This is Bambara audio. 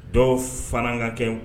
Dɔw fana ka kɛ